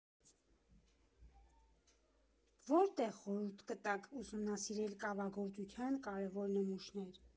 Որտե՞ղ խորհուրդ կտաք ուսումնասիրել կավագործության կարևոր նմուշներ։